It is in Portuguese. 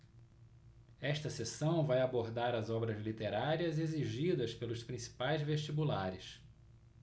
esta seção vai abordar as obras literárias exigidas pelos principais vestibulares